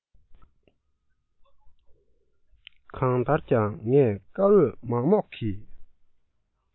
གང ལྟར ཀྱང ངས སྐར འོད མག མོག གི